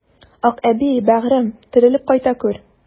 Акъәби, бәгырем, терелеп кайта күр!